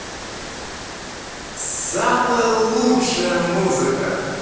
самая лучшая музыка